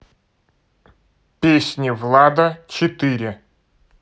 песни влада четыре